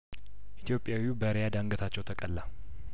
ኢትዮጵያዊው በሪያድ አንገታቸው ተቀላ